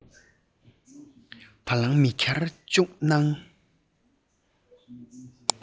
བ གླང མི ཁྱུར བཅུག གནང